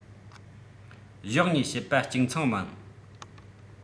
གཞོགས གཉིས བཤད པ གཅིག མཚུངས མིན